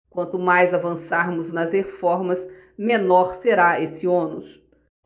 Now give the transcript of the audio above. quanto mais avançarmos nas reformas menor será esse ônus